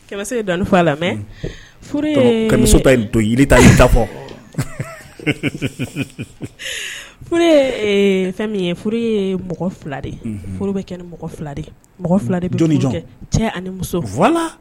Fa fɛn min ye furu ye mɔgɔ fila de bɛ kɛ mɔgɔ fila mɔgɔ cɛ